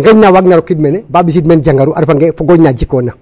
ngeñ na waagna rokiid mene ba ɓisiid men jangaru a refangerna fogoñ la jikoona.